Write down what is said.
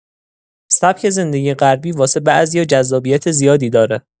سبک زندگی غربی واسه بعضیا جذابیت زیادی داره.